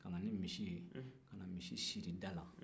ka na ni misi ye ka na misi sira da la